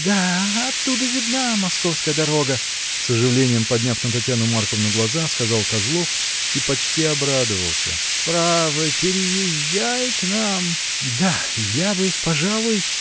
Да, оттуда видна московская дорога, — с оживлением, подняв на Татьяну Марковну глаза, сказал Козлов и почти обрадовался. — Право, переезжай к нам. — Да, я бы, пожалуй.